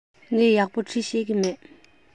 ངས ཡག པོ འབྲི ཤེས ཀྱི མེད